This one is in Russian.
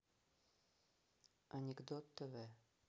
анекдот тв